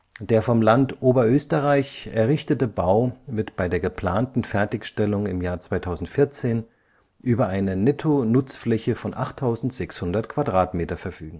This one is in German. Der vom Land Oberösterreich errichtete Bau wird bei der geplanten Fertigstellung 2014 über eine Nettonutzfläche von 8600 Quadratmeter verfügen